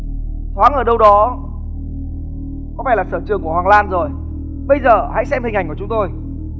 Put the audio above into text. thoáng ở đâu đó có vẻ là sở trường của hoàng lan rồi bây giờ hãy xem hình ảnh của chúng tôi